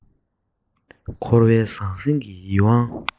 འཁོར བའི ཟང ཟིང གིས ཡིད དབང